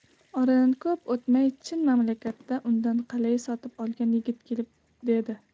oradan ko'p o'tmay chin mamlakatida undan qalayi sotib olgan yigit kelib dedi